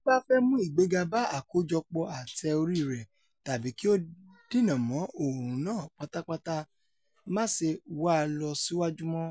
Bí o báfẹ́ mú ìgbéga bá àkójọpọ̀ ate-orí rẹ tàbí kí o dínàmọ́ òòrùn náà pátápátá máṣe wá a lọ síwájú mọ́.